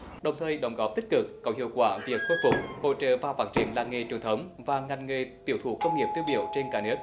đồng thời đóng góp tích cực có hiệu quả việc khôi phục hỗ trợ và phát triển làng nghề truyền thống và ngành nghề tiểu thủ công nghiệp tiêu biểu trên cả nước